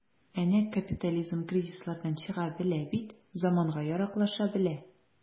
Әнә капитализм кризислардан чыга белә бит, заманга яраклаша белә.